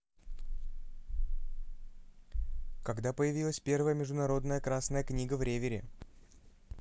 когда появилась первая международная красная книга в ревире